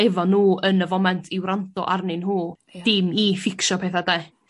efo nw yn y foment i wrando arnyn nhw... Ia. ...dimm i fficsio petha 'de?